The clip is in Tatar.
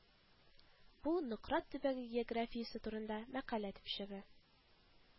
Бу Нократ төбәге географиясе турында мәкалә төпчеге